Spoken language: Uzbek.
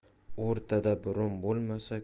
o'rtada burun bo'lmasa